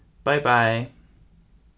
bei bei